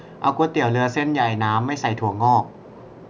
เอาก๋วยเตี๋ยวเรือเส้นใหญ่น้ำไม่ใส่ถั่วงอก